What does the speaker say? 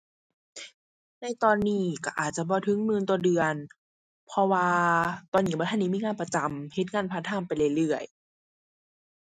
ในตอนนี้ก็อาจจะบ่ถึงหมื่นต่อเดือน เพราะว่าตอนนี้บ่ทันได้มีงานประจำ เฮ็ดงานพาร์ตไทม์ไปเรื่อยเรื่อย